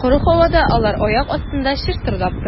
Коры һавада алар аяк астында чыштырдап тора.